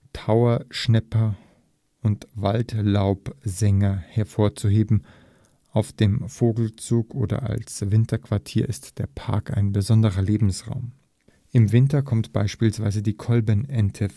Trauerschnäpper und Waldlaubsänger hervorzuheben, auf dem Vogelzug oder als Winterquartier ist der Park ein bedeutender Lebensraum. Im Winter kommt beispielsweise die Kolbenente